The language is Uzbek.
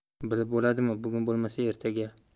bilib bo'ladimi bugun bo'lmasa ertaga